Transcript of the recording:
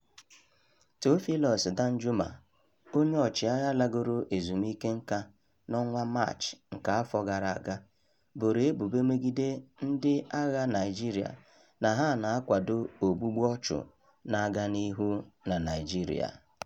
Theophilus Danjuma, onye ọchịagha lagoro ezumike nka, n'ọnwa Maachị nke afọ gara aga boro ebubo megide "ndị agha Naịjirịa na ha na-akwado ogbugbu ọchụ na-aga n'ihu na Naịjirịa".